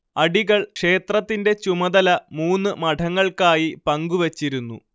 അടികൾ ക്ഷേത്രത്തിൻറെ ചുമതല മൂന്ന് മഠങ്ങൾക്കായി പങ്കുവച്ചിരുന്നു